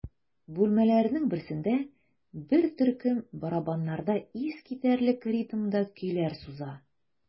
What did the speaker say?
Бүлмәләрнең берсендә бер төркем барабаннарда искитәрлек ритмда көйләр суза.